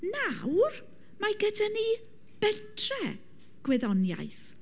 Nawr mae gyda ni bentre gwyddoniaeth.